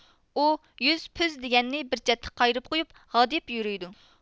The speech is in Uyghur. ئۇ يۈز پۈز دېگەننى بىر چەتتە قايرىپ قويۇپ غادىيىپ يۈرۈيدۇ